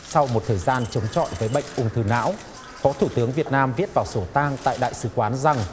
sau một thời gian chống chọi với bệnh ung thư não phó thủ tướng việt nam viết vào sổ tang tại đại sứ quán rằng